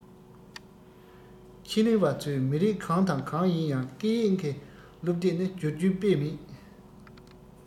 ཕྱི གླིང བ ཚོས མི རིགས གང དང གང ཡིན ཡང སྐད ཡིག གི སློབ དེབ དེ བསྒྱུར རྒྱུའི དཔེ མེད